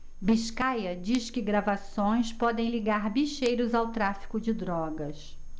biscaia diz que gravações podem ligar bicheiros ao tráfico de drogas